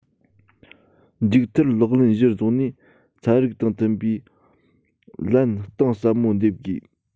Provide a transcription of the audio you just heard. མཇུག མཐར ལག ལེན གཞིར བཟུང ནས ཚན རིག དང མཐུན པའི ལན གཏིང ཟབ མོ འདེབས དགོས